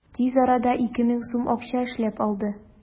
Тиз арада 2000 сум акча эшләп алды.